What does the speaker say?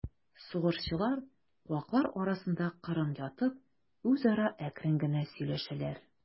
Сугышчылар, куаклар арасында кырын ятып, үзара әкрен генә сөйләшәләр.